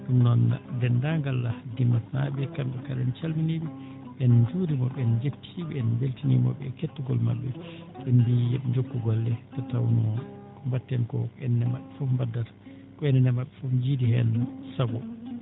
ɗum noon deenndagal Dimatnaaɓe kamɓe kala en calminiiɓe en njuuriima ɓe en njettii ɓe en mbeltaniima ɓe e kettagol maɓɓe en mbi yo ɓe jokku golle nde tawnoo ko mbaɗeten koo enen e maɓɓe fof mbaddata ko enen e maɓɓe fof njiidi heen sabu